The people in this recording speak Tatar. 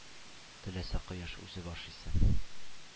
Теләсә Кояш үзе баш исен!»